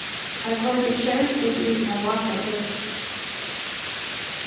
teir koyrdu skerv út yvir tað váta økið